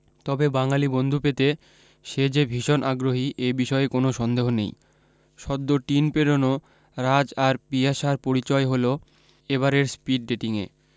তবে বাঙালী বন্ধু পেতে সে যে ভীষণ আগ্রহী এ বিষয়ে কোনও সন্দেহ নেই সদ্য টিন পেরনো রাজ আর পিয়াসার পরিচয় হল এবারের স্পীড ডেটিয়ে